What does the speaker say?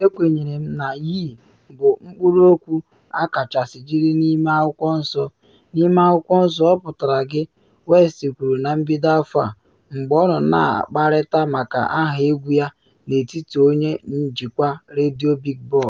“Ekwenyere m na ‘ye’ bụ mkpụrụokwu akachasị jiri n’ime Akwụkwọ Nsọ, n’ime Akwụkwọ Nsọ ọ pụtara ‘gị,”” West kwuru na mbido afọ a, mgbe ọ na akparịta maka aha egwu ya n’etiti onye njikwa redio Big Boy.